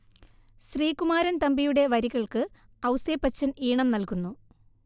ശ്രീകുമാരൻ തമ്പിയുടെ വരികൾക്ക് ഔസേപ്പച്ചൻ ഈണം നൽകുന്നു